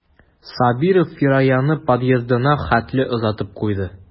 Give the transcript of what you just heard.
Сабиров Фираяны подъездына хәтле озатып куйды.